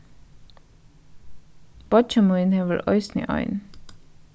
beiggi mín hevur eisini ein